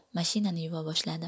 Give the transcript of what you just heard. mashinani yuva boshladi